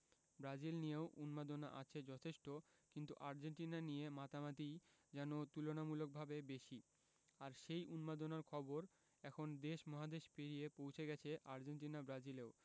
Brazil নিয়েও উন্মাদনা আছে যথেষ্ট কিন্তু আর্জেন্টিনা নিয়ে মাতামাতিই যেন তুলনামূলকভাবে বেশি আর সেই উন্মাদনার খবর এখন দেশ মহাদেশ পেরিয়ে পৌঁছে গেছে আর্জেন্টিনা ব্রাজিলেও